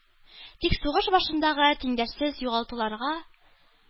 Тик сугыш башындагы тиңдәшсез югалтуларга,